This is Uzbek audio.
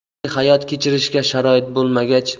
balki hayot kechirishga sharoit qolmagach